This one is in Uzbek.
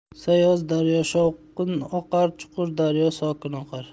sayoz daryo shovqin oqar chuqur daryo sokin oqar